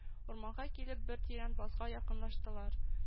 Урманга килеп, бер тирән базга якынлаштылар